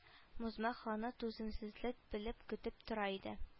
Бузмах аны түземсезлек белеп көтеп тора иде